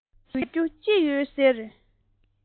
ཡོད པས དགོད རྒྱུ ཅི ཡོད ཟེར